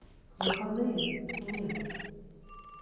выходные нет